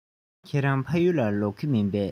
ཁྱེད རང ཕ ཡུལ ལ ལོག གི མིན པས